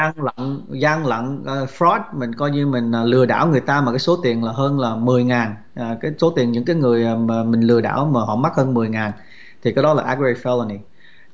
gian lận gian lận phờ róc mình coi như mình lừa đảo người ta mà với số tiền hơn là mười ngàn cái số tiền những cái người mà mình lừa đảo mà họ mất hơn mười ngàn thì cái đó là ach vơ ry pho nì